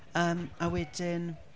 Yym, a wedyn...